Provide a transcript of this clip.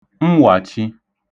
mwàchi